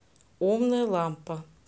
умная лампа